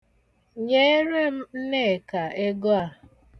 Nyeere m Nnekà ego a.